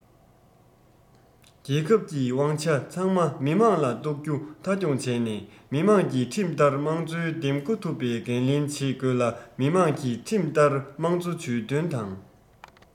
རྒྱལ ཁབ ཀྱི དབང ཆ ཚང མ མི དམངས ལ གཏོགས རྒྱུ མཐའ འཁྱོངས བྱས ནས མི དམངས ཀྱིས ཁྲིམས ལྟར དམངས གཙོ འདེམས བསྐོ ཐུབ རྒྱུའི འགན ལེན བྱེད དགོས ལ མི དམངས ཀྱིས ཁྲིམས ལྟར དམངས གཙོ ཇུས འདོན དང